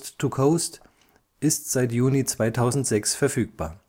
to Coast ist seit Juni 2006 verfügbar